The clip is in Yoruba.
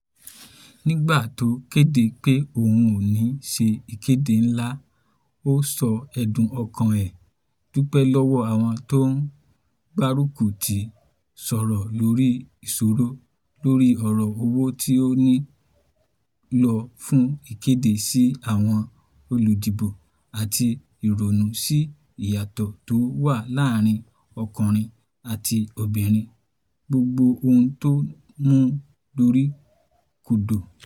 Nígbà tó kéde pé òun ‘ò ní sẹ ìkéde ńlá, ó sọ ẹ̀dùn ọkàn ẹ̀ – ó dúpẹ́ lọ́wọ́ àwọn t’ọ́n gbárùkùtí, sọ̀rọ̀ lóri ìsoro lóri ọ̀rọ̀ owó tí ó ní lò fún ìkéde sí àwọn olùdìbò àti ìrúnú sí ìyàtọ̀ tó waà láàrin ọkùnrin àti obìnrin – gbogbo ohun tó muú dorí góńgó.